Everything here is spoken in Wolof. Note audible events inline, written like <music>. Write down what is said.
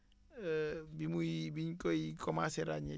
<hesitation> bi muy biñ koy commencé ràññee